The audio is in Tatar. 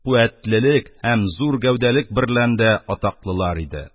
Куәтлелек һәм зур гәүдәлелек берлән дә атаклылар иде.